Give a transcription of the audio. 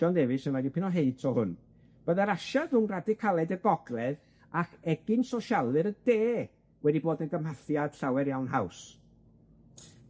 John Davies yn roi dipyn o hint o hwn, byddai'r asiad rwng radicaliad y Gogledd ac egin sosialwyr y de wedi bod yn gymhathiad llawer iawn haws.